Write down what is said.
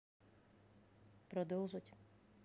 продолжить